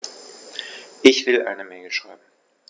Ich will eine Mail schreiben.